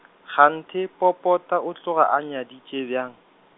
kganthe Popota o tloga a nnyaditše bjang.